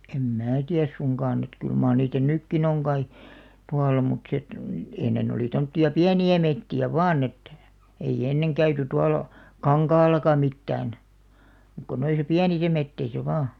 en minä tiedä suinkaan että kyllä mar niitä nytkin on kai tuolla mutta se että ennen oli tuommoisia pieniä metsiä vain että ei ennen käyty tuolla kankaallakaan mitään muuta kuin noissa pienissä metsissä vain